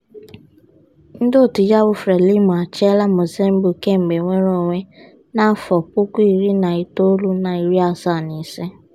Ndị otu ya bụ Frelimo achịala Mozambique kemgbe nnwere onwe na 1975.